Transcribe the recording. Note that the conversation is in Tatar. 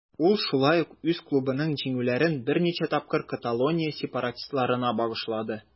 Ул шулай ук үз клубының җиңүләрен берничә тапкыр Каталония сепаратистларына багышлады.